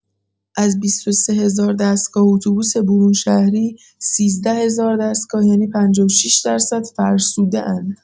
از ۲۳ هزار دستگاه اتوبوس برون‌شهری ۱۳ هزار دستگاه یعنی ۵۶ درصد فرسوده‌اند.